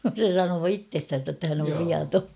se sanoo itsestänsä että hän on viaton